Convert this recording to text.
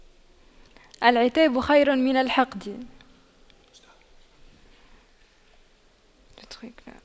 العتاب خير من الحقد